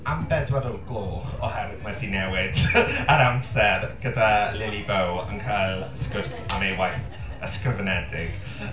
Am bedwar o'r gloch , oherwydd ma' hi 'di newid yr amser gyda Lily Beau yn cael sgwrs am ei waith ysgrifenedig.